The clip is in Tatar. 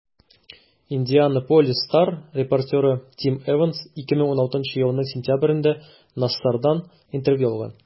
«индианаполис стар» репортеры тим эванс 2016 елның сентябрендә нассардан интервью алган.